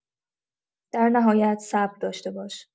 در نهایت، صبر داشته باش.